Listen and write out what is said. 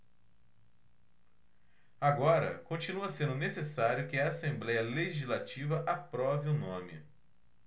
agora continua sendo necessário que a assembléia legislativa aprove o nome